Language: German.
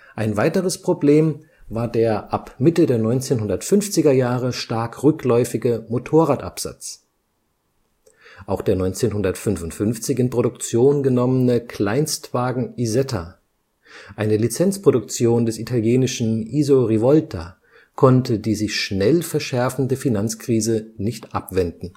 Ein weiteres Problem war der ab Mitte der 1950er Jahre stark rückläufige Motorrad-Absatz. Auch der 1955 in Produktion genommene Kleinstwagen Isetta, eine Lizenzproduktion des italienischen Iso Rivolta, konnte die sich schnell verschärfende Finanzkrise nicht abwenden